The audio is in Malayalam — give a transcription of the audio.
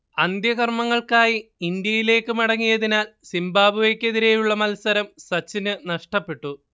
അന്ത്യകർമങ്ങൾക്കായി ഇന്ത്യയിലേക്ക് മടങ്ങിയതിനാൽ സിംബാബ്വേക്കെതിരേയുള്ള മത്സരം സച്ചിന് നഷ്ടപ്പെട്ടു